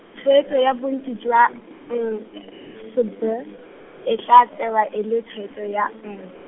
tshwetso ya bontsi jwa N S B, e tla tsewa e le tshwetso ya N-.